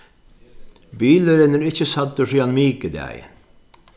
bilurin er ikki sæddur síðan mikudagin